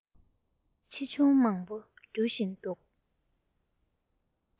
ཆེ ཆུང མང པོ རྒྱུ བཞིན འདུག